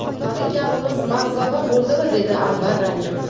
hali gapimiz mag'zava bo'ldimi dedi anvar ranjib